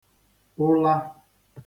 ụla